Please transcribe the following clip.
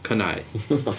Cynnau. .